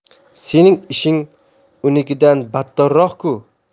sening ishing unikidan battarroq ku